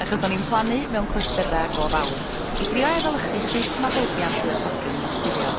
achos o'n i'n plannu mewn clystyre go fawr i drio efelychu sud ma' bylbia'n lluosogi'n naturiol.